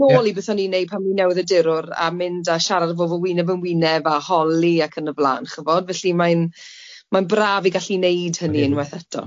mynd nôl i beth o'n i'n neud pan o'n i'n newyddiadurwr a mynd a siarad efo bobol wyneb yn wyneb a holi ac yn y blan chi'bod felly mae'n mae'n braf i gallu neud hynny unwaith eto.